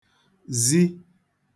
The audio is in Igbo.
zi